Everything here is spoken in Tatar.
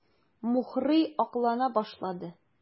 Мухрый аклана башлады.